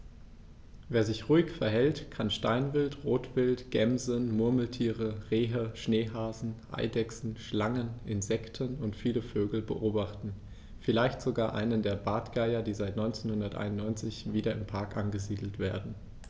Wer sich ruhig verhält, kann Steinwild, Rotwild, Gämsen, Murmeltiere, Rehe, Schneehasen, Eidechsen, Schlangen, Insekten und viele Vögel beobachten, vielleicht sogar einen der Bartgeier, die seit 1991 wieder im Park angesiedelt werden.